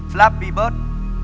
phờ láp pi bớt